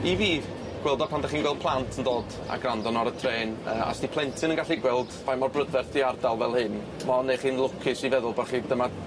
I fi gweld o pan 'dych chi'n gweld plant yn dod a grando nw ar y trên yy os 'di plentyn yn gallu gweld faint mor brydferth 'di ardal fel hyn ma' o'n neu' chi'n lwcus i feddwl bo' chi dyma